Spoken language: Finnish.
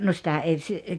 no sitä ei -